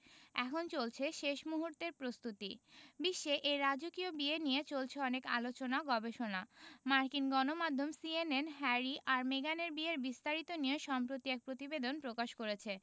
এখন চলছে শেষ মুহূর্তের প্রস্তুতি বিশ্বে এই রাজকীয় বিয়ে নিয়ে চলছে অনেক আলোচনা গবেষণা মার্কিন গণমাধ্যম সিএনএন হ্যারি আর মেগানের বিয়ের বিস্তারিত নিয়ে সম্প্রতি এক প্রতিবেদন প্রকাশ করেছে